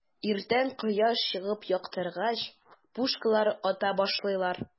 Иртән кояш чыгып яктыргач, пушкалар ата башлыйлар.